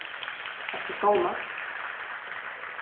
ert tú sovnað